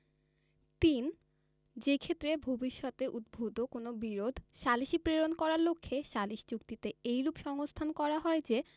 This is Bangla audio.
৩ যেইক্ষেত্রে ভবিষ্যতে উদ্ভুত কোন বিরোধ সালিসে প্রেরণ করার লক্ষ্যে সালিস চুক্তিতে এইরূপ সংস্থান করা হয় যে